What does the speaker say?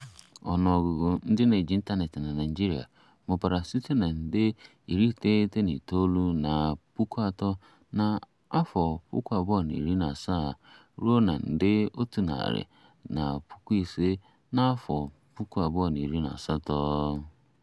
Ọnụọgụgụ ndị na-eji ịntaneetị na Naịjirịa mụbara site na nde 98.3 na 2017 ruo nde 100.5 na 2018.